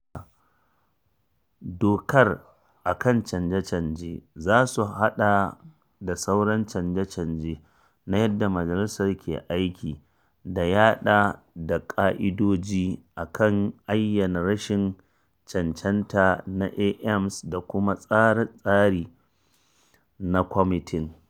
Dokar a kan canje-canjen za su haɗa da sauran canje-canje na yadda majalisar ke aiki, da ya haɗa da ƙa’idoji a kan ayyana rashin cancanta na AMs da kuma tsara tsari na kwamitin.